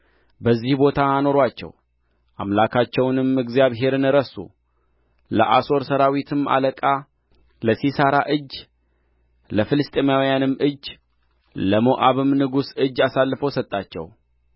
በዚህ ቦታ አኖሩአቸው አምላካቸውንም እግዚአብሔርን ረሱ ለአሶር ሠራዊትም አለቃ ለሲሣራ እጅ ለፍልስጥኤማውያንም እጅ ለሞዓብም ንጉሥ እጅ አሳልፎ ሰጣቸው